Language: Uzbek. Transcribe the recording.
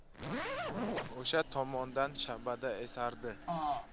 o'sha tomondan shabada esardi